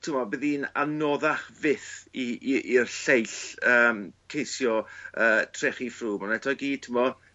t'wbo' bydd 'i'n anoddach fyth i i i'r lleill yym ceisio yy trechi Froome. On' eto i gyd t'mbo'